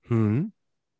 Mm?